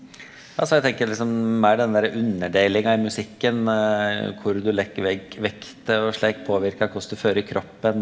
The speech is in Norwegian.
altså eg tenker liksom meir den derre underdelinga i musikken kor du vekta og slik påverkar korleis du fører kroppen.